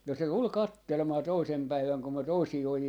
no se tuli katselemaan toisena päivänä kun me toisia ojia